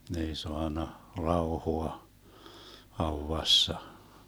ne ei saanut rauhaa haudassa